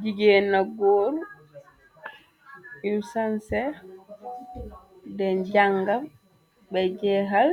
Jigéen ak góoru yu sense deñ jànga ba jeexal